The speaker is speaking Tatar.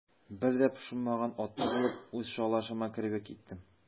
Бер дә пошынмаган атлы булып, үз шалашыма кереп киттем.